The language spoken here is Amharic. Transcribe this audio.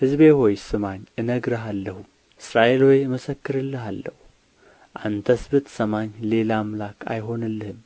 ሕዝቤ ሆይ ስማኝ እነግርሃለሁም እስራኤል ሆይ እመሰክርልሃለሁ አንተስ ብትሰማኝ ሌላ አምላክ አይሆንልህም